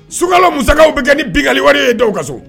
Sukala masa bɛ kɛ ni binkali wari ye da ka so